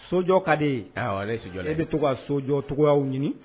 Sojɔ ka di e ye. E bi to ka sojɔcogoyaw ɲini.